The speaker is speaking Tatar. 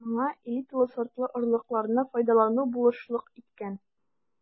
Моңа элиталы сортлы орлыкларны файдалану булышлык иткән.